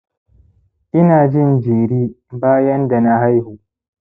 ina jin jiri bayan dana haihu